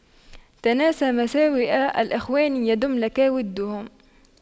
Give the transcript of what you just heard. تناس مساوئ الإخوان يدم لك وُدُّهُمْ